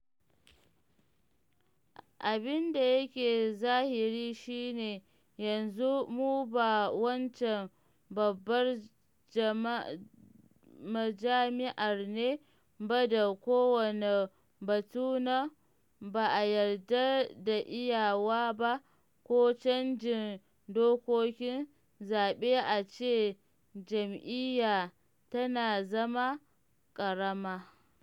Abin da yake zahiri shi ne yanzu mu ba wancan babbar majami’ar ne ba da kowane batu na “ba a yarda da iyawa ba” ko canjin dokokin zaɓe a ce jam’iyya tana zama karama.